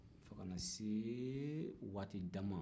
fo ka na se waatijan ma